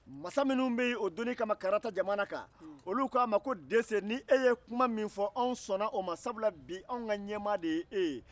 masa minnu bɛ yen o donnin kama karata jamana kan olu ko a ma '' dese ni e ye kuma min fɔ anw sɔnna o ma sabula bi anw ka ɲɛmaa de ye e ye